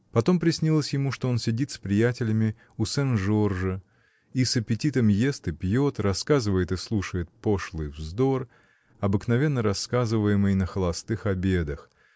Потом приснилось ему, что он сидит с приятелями у Сен-Жоржа и с аппетитом ест и пьет, рассказывает и слушает пошлый вздор, обыкновенно рассказываемый на холостых обедах